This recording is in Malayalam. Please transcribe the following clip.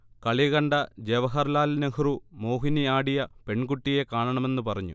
കളികണ്ട ജവഹർലാൽ നെഹ്രു, മോഹിനി ആടിയ പെൺകുട്ടിയെ കാണണമെന്ന് പറഞ്ഞു